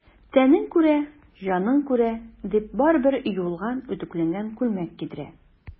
Тәнең күрә, җаның күрә,— дип, барыбер юылган, үтүкләнгән күлмәк кидерә.